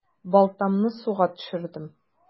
Балтамны суга төшердем.